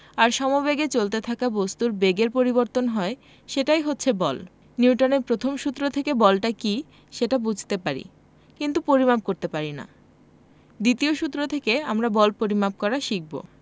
আর সমবেগে চলতে থাকা বস্তুর বেগের পরিবর্তন হয় সেটাই হচ্ছে বল নিউটনের প্রথম সূত্র থেকে বলটা কী সেটা বুঝতে পারি কিন্তু পরিমাপ করতে পারি না দ্বিতীয় সূত্র থেকে আমরা বল পরিমাপ করা শিখব